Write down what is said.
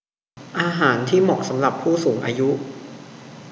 อาหารที่เหมาะสำหรับผู้สูงอายุ